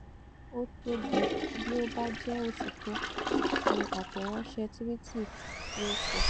Ó tóbi bí ó bájẹ́ òtítọ́, ní àtẹ̀ránṣẹ́ tuwiti tí o kọ.